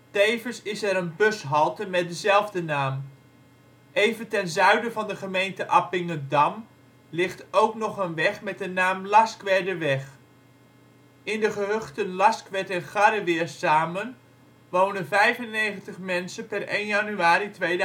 Tevens is er een bushalte met dezelfde naam. Even ten zuiden van de gemeente Appingedam ligt ook nog een weg met de naam Laskwerderweg. In de gehuchten Laskwerd en Garreweer samen wonen 95 mensen (op 1 januari 2006